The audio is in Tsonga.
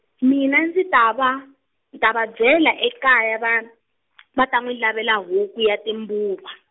mina ndzi ta va, ta va byela ekaya va , va ta n'wi lavela huku ya timbuva.